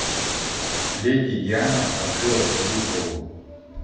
леди диана открыла свою школу